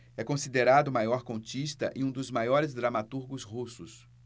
é considerado o maior contista e um dos maiores dramaturgos russos